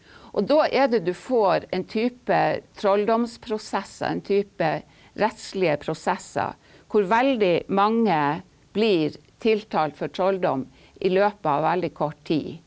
og da er det du får en type trolldomsprosesser, en type rettslige prosesser hvor veldig mange blir tiltalt for trolldom i løpet av veldig kort tid.